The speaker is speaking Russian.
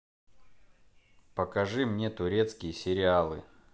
покажи мне турецкие сериалы